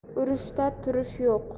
urushda turish yo'q